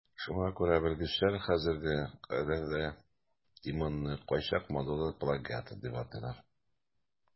Шуңа күрә белгечләр хәзергә кадәр де Томонны кайчак модалы плагиатор дип атыйлар.